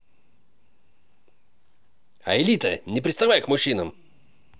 аэлита не приставай к мужчинам